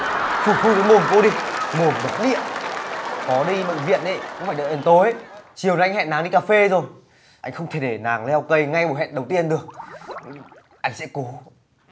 phủi phui cái mồm cô đi mồm độc địa có đi bệnh viện ý cũng phải đợi đến tối chiều nay anh hẹn nàng đi cà phê rồi anh không thể để nàng leo cây ngay cuộc hẹn đầu tiên được anh sẽ cố